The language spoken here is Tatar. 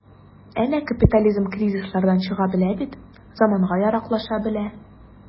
Әнә капитализм кризислардан чыга белә бит, заманга яраклаша белә.